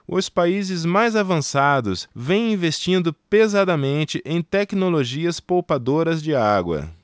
os países mais avançados vêm investindo pesadamente em tecnologias poupadoras de água